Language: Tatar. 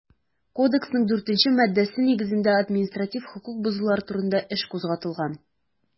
Кодексның 4 нче маддәсе нигезендә административ хокук бозулар турында эш кузгатылган.